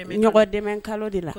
I bɛ ɲɔgɔn dɛmɛ kalo de la